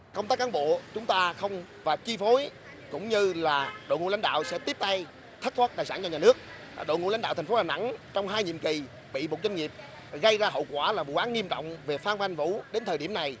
công tác cán bộ chúng ta không và chi phối cũng như là đội ngũ lãnh đạo sẽ tiếp tay thất thoát tài sản cho nhà nước à đội ngũ lãnh đạo thành phố đà nẵng trong hai nhiệm kỳ bị một doanh nghiệp gây ra hậu quả làm quá nghiêm trọng về phan văn vũ đến thời điểm này